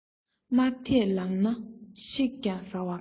དམར དད ལངས ན ཤིག ཀྱང ཟ བ དགའ